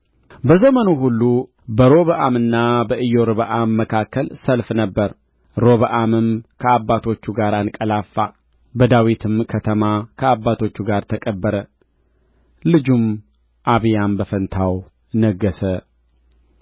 በዘመኑም ሁሉ በሮብዓምና በኢዮርብዓም መካከል ሰልፍ ነበረ ሮብዓምም ከአባቶቹ ጋር አንቀላፋ በዳዊትም ከተማ ከአባቶቹ ጋር ተቀበረ ልጁም አብያም በፋንታው ነገሠ